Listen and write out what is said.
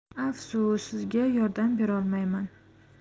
afsus sizga yordam berolmayman